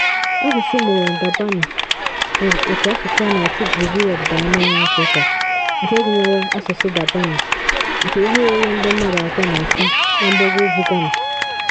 Asụsụ Mole-Dagbani bụ òtù asụsụ a na-asụ gburugburu Ọdịdaanyanwụ Afrịka nke gụnyere asụsụ Dagbani nke ihe ruru nde mmadụ atọ na-asụ na mgbagougwu Ghana.